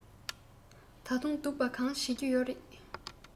ད དུང སྡུག པ གང བྱེད ཀྱི ཡོད རས